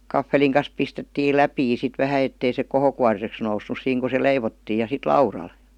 kahvelin kanssa pistettiin läpiä sitten vähän että ei se kohokuoriseksi noussut siinä kun se leivottiin ja sitten laudalle